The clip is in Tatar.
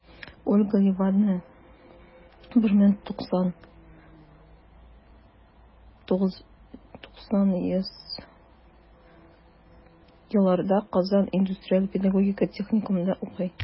Ольга Левадная 1975-1978 елларда Казан индустриаль-педагогика техникумында укый.